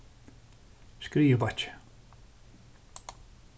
skriðubakki